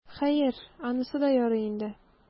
Хәер, анысы да ярый инде.